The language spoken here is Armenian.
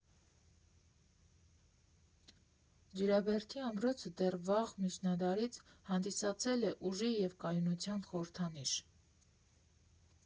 Ջրաբերդի ամրոցը դեռ վաղ միջնադարից հանդիսացել է ուժի և կայունության խորհրդանիշ։